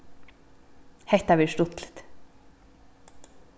hetta verður stuttligt